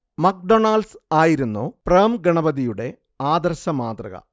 McDonald's ആയിരുന്നു പ്രേം ഗണപതിയുടെ ആദർശ മാതൃക